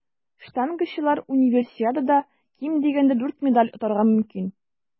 Штангачылар Универсиадада ким дигәндә дүрт медаль отарга мөмкин.